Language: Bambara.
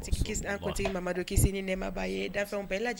Tigi mamamadu kisi ni nɛba ye daw bɛɛ lajɛ